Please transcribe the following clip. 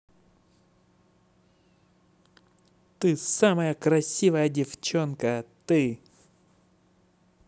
а ты самая красивая девчонка ты